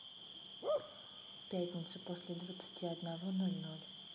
пятница после двадцати одного ноль ноль